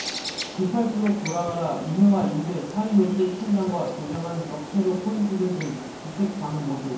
급할수록 돌아가라 이해와 인내 사이노출 천장과 도장한 벽체로 포인트를 준 주택 방 모습